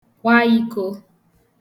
kwa īkō